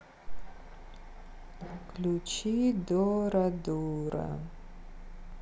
включи дора дура